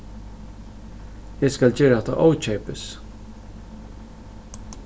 eg skal gera hatta ókeypis